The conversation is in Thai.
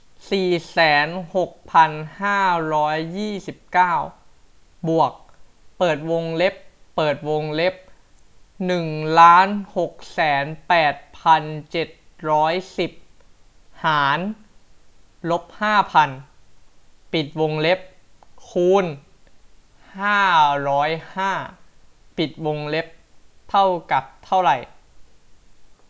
สี่แสนหกพันห้าร้อยยี่สิบเก้าบวกเปิดวงเล็บเปิดวงเล็บหนึ่งล้านหกแสนแปดพันเจ็ดร้อยสิบหารลบห้าพันปิดวงเล็บคูณห้าร้อยห้าปิดวงเล็บเท่ากับเท่าไร